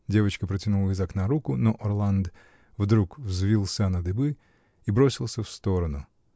Девочка протянула из окна руку, но Орланд вдруг взвился на дыбы и бросился в сторону.